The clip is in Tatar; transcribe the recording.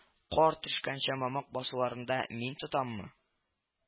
Кар төшкәнче мамык басуларында мин тотаммы